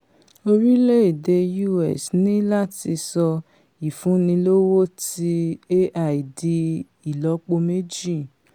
orílẹ̀-èdè U.S. ní láti sọ ìfúnnilówó ti A.I di ìlọ́poméjì